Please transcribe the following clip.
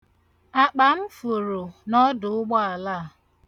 Akpa m furu n'ọdụụgbọala a.